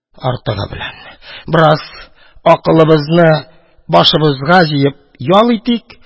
Артыгы белән. Бераз акылыбызны башыбызга җыеп ял итик.